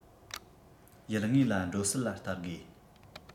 ཡུལ དངོས ལ འགྲོ སྲིད ལ བལྟ དགོས